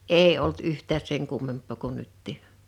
ei ollut yhtään sen kummempaa kuin nytkin